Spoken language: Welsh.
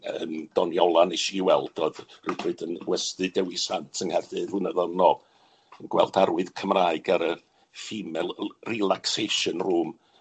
yym, Doniola wnes i weld o'dd rywbryd yn westy Dewi Sant yng Nghaerdydd flynyddodd yn ôl, yn gweld arwydd Cymraeg ar y female l- relaxation room